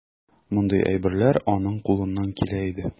Мондый әйберләр аның кулыннан килә иде.